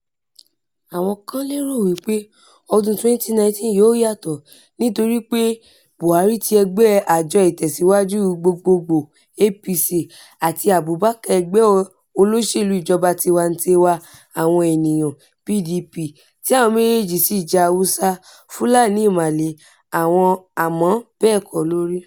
Àwọn kan lérò wípé ọdún-un 2019 yóò yàtọ̀ nítorí pé Buhari ti ẹgbẹ́ẹ Àjọ Ìtẹ̀síwájú Gbogboògbò (APC) àti Abubakar láti Ẹgbẹ́ olóṣèlú Ìjọba-tiwantiwa Àwọn Ènìyàn (PDP) tí àwọn méjèèjì sì jẹ́ Hausa, Fulani Ìmàle, àmọ́ bẹ́ẹ̀ kọ́ ló rí.